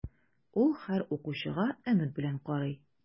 Ул һәр укучыга өмет белән карый.